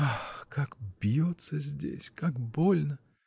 — Ах, как бьется здесь, как больно!